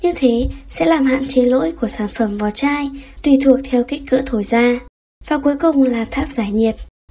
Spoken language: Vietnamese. như thế sẽ làm hạn chế lỗi của sản phẩm vỏ chai tùy theo kích cỡ được thổi ra và cuối cùng là tháp giải nhiệt